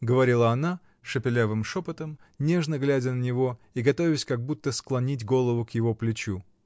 — говорила она шепелявым шепотом, нежно глядя на него и готовясь как будто склонить голову к его плечу.